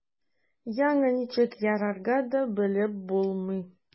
Аңа ничек ярарга да белеп булмый.